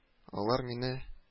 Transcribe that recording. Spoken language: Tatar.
Алар мине